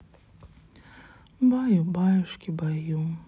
баю баюшки баю